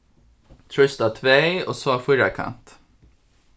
trýst á tvey og so á fýrakant